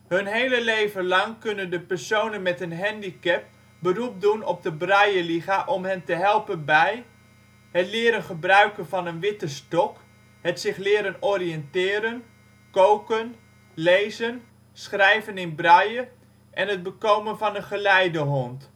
Hun hele leven lang kunnen de personen met een handicap beroep doen op de Brailleliga om hen te helpen bij: het leren gebruiken van een witte stok, het zich leren oriënteren, koken, lezen, schrijven in braille en het bekomen van een geleidehond